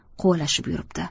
quvalashib yuribdi